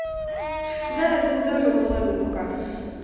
да это здорово ладно пока